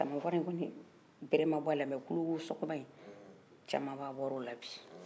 tamafara in kɔni bɛrɛ ma bɔ a la nka tulowosɔgɔba in caamaba bɔra o la bi